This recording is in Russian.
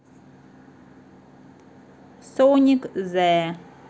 sonic the